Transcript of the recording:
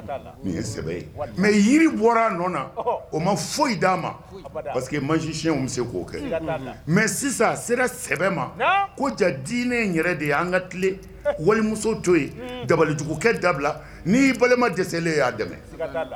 Nin mɛ jiri bɔra a o ma foyi d'a ma parce que masiyɛn bɛ se k'o kɛ mɛ sisan sera sɛ ma ko ja diinɛ yɛrɛ de ye an ka tile walimuso to ye dabalijugukɛ dabila n'i balima dɛsɛlen y'a dɛmɛ